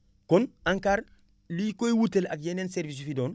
kon ANCAR li koy wutale ak yeneen service yu fi doon